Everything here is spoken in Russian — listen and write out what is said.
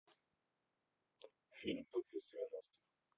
фильм бык из девяностых